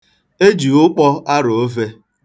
E ji ụkpọ arọ ofe.